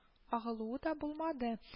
Агылуы да булмады